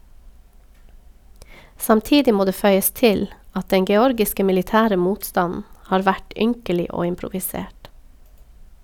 Samtidig må det føyes til at den georgiske militære motstanden har vært ynkelig og improvisert.